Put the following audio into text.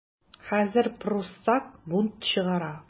Хәзер пруссак бунт чыгара.